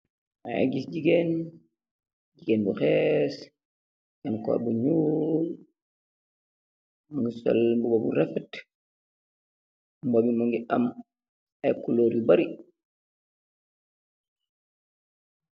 Mageih gis jigeen bu hess bu sol mbuba bu nyeoul, mugeih sol mbu ba bu rafet bu am ayyi kuloor yuu barri.